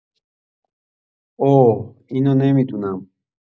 اوه اینو نمی‌دونم